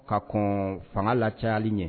Ka kɔn fanga la cayayali ɲɛ